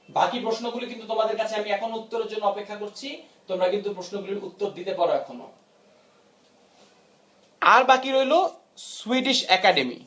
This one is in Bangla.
বাকি প্রশ্নগুলোর কিন্তু তোমাদের কাছে আমি এখন উত্তরের জন্য অপেক্ষা করছি তোমরা কিন্তু প্রশ্নগুলোর উত্তর দিতে পারো এখনো বাকি রইল সুইডিশ একাডেমি